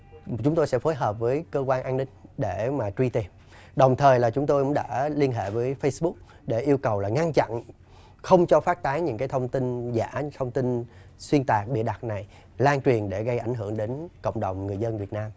chúng tôi sẽ phối hợp với cơ quan an ninh để mà truy tìm đồng thời là chúng tôi cũng đã liên hệ với phây sờ búc để yêu cầu là ngăn chặn không cho phát tán những cái thông tin giả thông tin xuyên tạc bịa đặt này lan truyền để gây ảnh hưởng đến cộng đồng người dân việt nam